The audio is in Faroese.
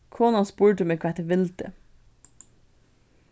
konan spurdi meg hvat eg vildi